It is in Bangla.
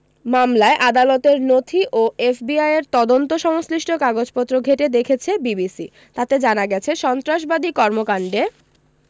মামলায় আদালতের নথি ও এফবিআইয়ের তদন্ত সংশ্লিষ্ট কাগজপত্র ঘেঁটে দেখেছে বিবিসি তাতে জানা গেছে সন্ত্রাসবাদী কর্মকাণ্ডে